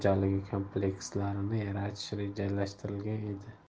xo'jaligi komplekslarini yaratish rejalashtirilgan edi